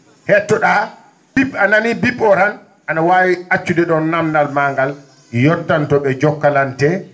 hetto?a bip anani bip o tan ana wawi accude ?on namdal ma ngal yottantu ?e Jokalante